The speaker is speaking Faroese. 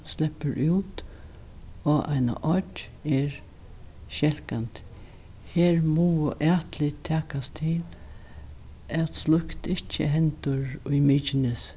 sleppur út á eina oyggj er skelkandi her mugu atlit takast til at slíkt ikki hendir í mykinesi